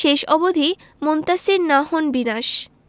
শেষ অবধি মুনতাসীর না হন বিনাশ